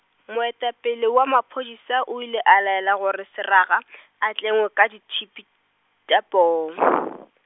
moetapele wa maphodisa o ile a laela gore Seraga , a tlengwe ka ditšhipi, tša poo .